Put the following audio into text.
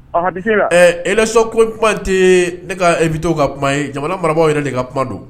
Ɔnhɔn bisimila. Ɛɛ élection ko kuma tɛ ne ka invités ka kuma ye . Bamana marabagaw yɛrɛ de ka kuma don.